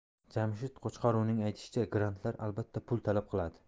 jamshid qo'chqorovning aytishicha grantlar albatta pul talab qiladi